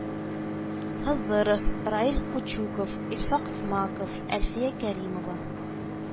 Хызыров, Раил Кучуков, Илфак Смаков, Әлфия Кәримова